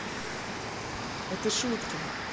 это шутки